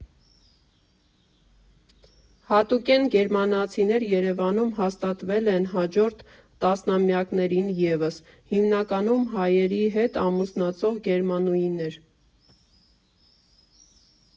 Հատուկենտ գերմանացիներ Երևանում հաստատվել են հաջորդ տասնամյակներին ևս, հիմնականում՝ հայերի հետ ամուսնացող գերմանուհիներ։